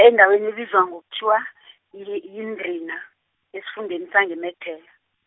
endaweni ebizwa ngokuthiwa , yi- yiNdrina, esifundeni sangemeDhlela.